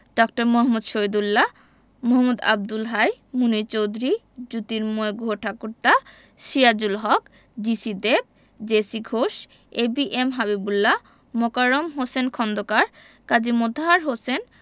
ড. Muhammad Shahidullah Md Abdul Hai Munier Chowdhury Jyotirmoy Guhathakurta Sirajul Haq G C Dev J C Ghosh A B M Habibullah Mokarram Hossain Khandaker Qazi Motahar Hossain